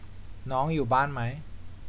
น้องอยู่บ้านไหม